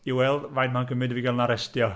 I weld faint mae'n cymryd i fi gael fy'n arestio.